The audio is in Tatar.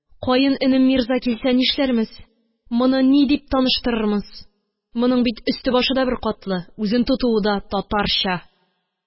Каененем мирза килсә нишләрмез, моны ни дип таныштырырмыз, моның бит өсте-башы да беркатлы, үзен тотуы да татарча